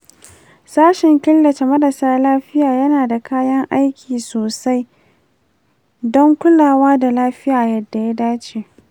sashin killace marasa lafiya yana da kayan aiki sosai don kulawa da lafiya yadda ya dace.